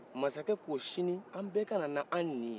masakɛ ko sini an bɛ ka na n'an ni ye